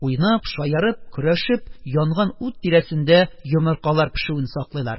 Уйнап, шаярып, көрәшеп, янган ут тирәсендә йомыркалар пешүен саклыйлар.